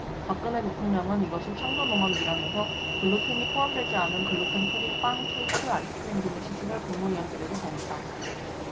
박근헤 대통령은 이것이 창조농업이라면서 글루텐이 포함되지 않은 글루텐 프리 빵 케이크 아이스크림 등의 시식을 국무위원들에게 권했다